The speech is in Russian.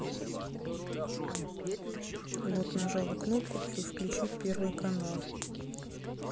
вот нажала кнопку включить первый канал